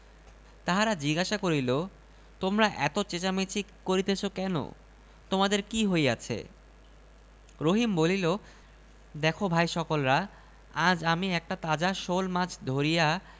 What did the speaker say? তাহারা জিজ্ঞাসা করিল তোমরা এত চেঁচামেচি করিতেছ কেন তোমাদের কি হইয়াছে রহিম বলিল দেখ ভাই সকলরা আজ আমি একটা তাজা শোলমাছ ধরিয়া